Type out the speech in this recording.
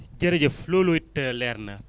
jërëjëf loolu it leer na